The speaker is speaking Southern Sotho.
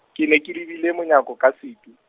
ke ne ke lebile monyako ka setu.